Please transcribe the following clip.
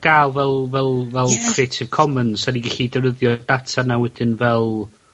ga'l fel fel fel... Ie. ...Creative Commons 'sa ni gellu defnyddio data 'na wedyn fel